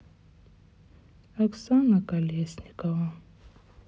оксана колесникова